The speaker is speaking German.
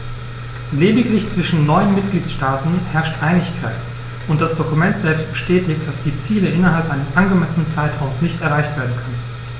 Lediglich zwischen neun Mitgliedsstaaten herrscht Einigkeit, und das Dokument selbst bestätigt, dass die Ziele innerhalb eines angemessenen Zeitraums nicht erreicht werden können.